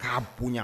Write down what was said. K'a bonya